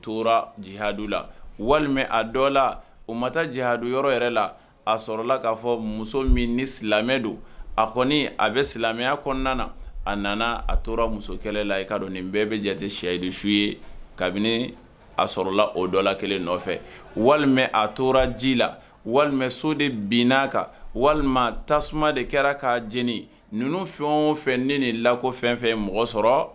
Walima u ma aa fɔ muso min ni silamɛ don a kɔni a bɛ silamɛya kɔnɔna na a nana a tora musokɛla la i kaa dɔn nin bɛɛ bɛ jate siyidusu ye kabini a sɔrɔ o dɔ la kelen nɔfɛ walima a tora ji la walima so de bina kan walima tasuma de kɛra k kaa jeni ninnu fɛn o fɛn ne ni lakɔ fɛn fɛn ye mɔgɔ sɔrɔ